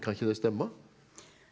kan ikke det stemme?